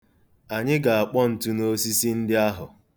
Anyị ga-akpọ ntu n'osisi ndị ahụ.